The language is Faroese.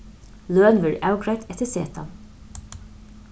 løn verður avgreidd eftir setan